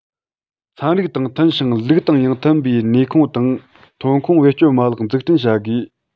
ཚན རིག དང མཐུན ཞིང ལུགས དང ཡང མཐུན པའི ནུས ཁུངས དང ཐོན ཁུངས བེད སྤྱོད མ ལག འཛུགས སྐྲུན བྱ དགོས